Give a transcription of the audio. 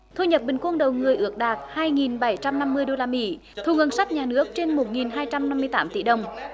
thu nhập bình quân đầu người ước đạt hai nghìn bảy trăm năm mươi đô la mỹ thu ngân sách nhà nước trên một nghìn hai trăm năm mươi tám tỷ đồng